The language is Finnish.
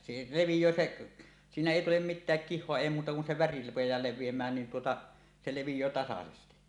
se leviää se siinä ei tule mitään kihoa ei muuta kuin se väri rupeaa leviämään niin tuota se leviää tasaisesti